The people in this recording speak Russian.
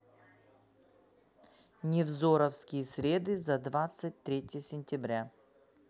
невзоровские среды за двадцать третье сентября